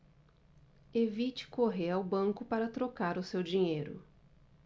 evite correr ao banco para trocar o seu dinheiro